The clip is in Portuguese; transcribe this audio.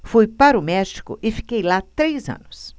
fui para o méxico e fiquei lá três anos